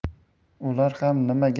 ular ham nima gap